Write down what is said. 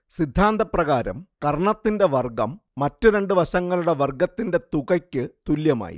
സിദ്ധാന്തപ്രകാരം കർണ്ണത്തിന്റെ വർഗ്ഗം മറ്റുരണ്ടുവശങ്ങളുടെ വർഗ്ഗത്തിന്റെ തുകക്ക് തുല്യമായിരിക്കും